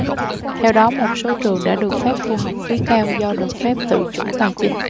theo đó một số trường đã được phép thu học phí cao do được phép tự chủ tài chính